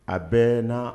A bɛɛ n'a